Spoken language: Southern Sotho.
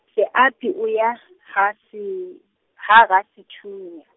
Seapi o ya , ha se, ha Rasethunya.